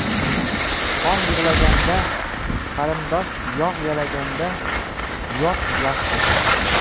qon yig'laganda qarindosh yog' yalaganda yot yaxshi